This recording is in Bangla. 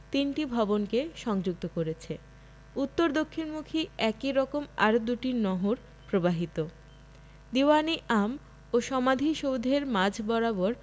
তিনটি ভবনকে সংযুক্ত করেছে উত্তর দক্ষিণমুখী একই রকম আরও দুটি নহর প্রবাহিত দীউয়ান ই আম ও সমাধিসৌধের মাঝ বরাবর